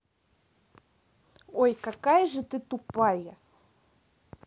ой какая же ты тупая